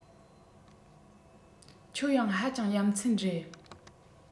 ཁྱོད ཡང ཧ ཅང ཡ མཚན རེད